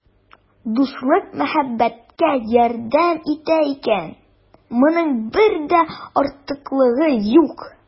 Дуслык мәхәббәткә ярдәм итә икән, моның бер дә артыклыгы юк.